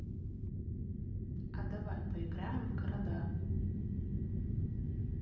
а давай поиграем в города